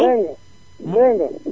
dégg nga dégg nga